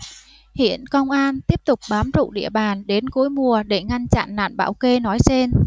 hiện công an tiếp tục bám trụ địa bàn đến cuối mùa để ngăn chặn nạn bảo kê nói trên